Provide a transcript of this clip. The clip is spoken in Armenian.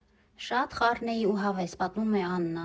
Շա՜տ խառն էի ու հավես», ֊ պատմում է Աննան։